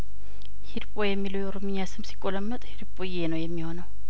ሂርጶ የሚለው የኦሮምኛ ስም ሲቆላመጥ ሂርጱዬ ነው የሚሆነው